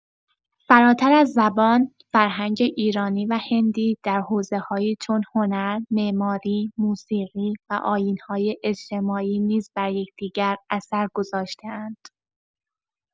فراتر از زبان، فرهنگ ایرانی و هندی در حوزه‌هایی چون هنر، معماری، موسیقی و آیین‌های اجتماعی نیز بر یکدیگر اثر گذاشته‌اند.